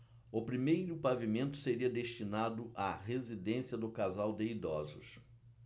o primeiro pavimento seria destinado à residência do casal de idosos